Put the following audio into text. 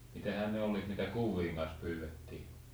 mitähän ne olivat mitä kuvien kanssa pyydettiin